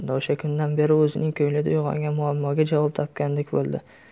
o'sha kundan beri o'zining ko'nglida uyg'ongan muammoga javob topgandek bo'ldi